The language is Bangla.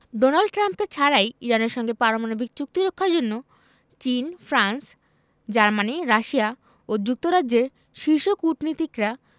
ডোনাল্ড ট্রাম্পকে ছাড়াই ইরানের সঙ্গে পারমাণবিক চুক্তি রক্ষার জন্য চীন ফ্রান্স জার্মানি রাশিয়া ও যুক্তরাজ্যের শীর্ষ কূটনীতিকরা